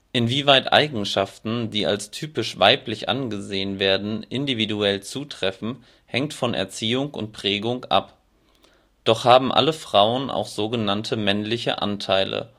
Inwieweit Eigenschaften, die als " typisch weiblich " angesehen werden, individuell zutreffen, hängt von Erziehung und Prägung ab. Doch haben alle Frauen auch sog. " männliche Anteile